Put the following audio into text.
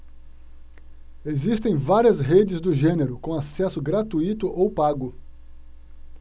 existem várias redes do gênero com acesso gratuito ou pago